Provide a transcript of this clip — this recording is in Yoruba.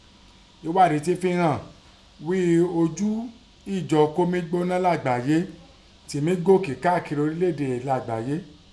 Ẹ̀ghádìí tẹ fi hàn ghí ojú ijọ́ kó mi gbóná lágbàáyé ti mí gòkè si káàkiri ọrílẹ̀ èdè lágbàáyé.